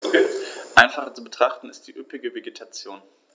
Einfacher zu betrachten ist die üppige Vegetation.